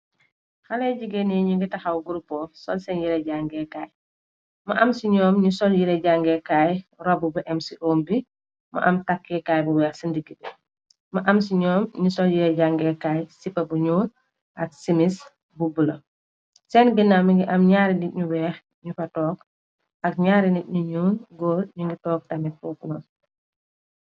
Xale jigée ne ñu ngi taxaw gurupo sol sen yere jangeekaay mu am ci ñoom ñi sol yere jàngeekaay rob bu m ci oum bi mu am takkikaay bu weex ci ndiki bi mu am ci ñoom ñi sol yere jangeekaay sipa bu ñuul ak simis bu bulo sen genaw mi ngi am ñaari nit ñu weex ñu fa toog ak ñaari nit ñu ñuul góor ñu ngi toog tamin fofu non.